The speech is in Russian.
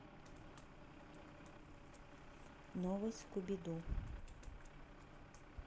новый скуби ду